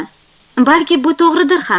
balki bu to'g'ridir ham